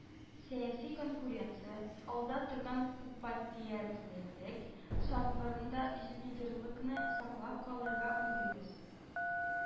“сәяси конкуренция, алда торган күппартиялелек шартларында лидерлыкны саклап калырга уйлыйбыз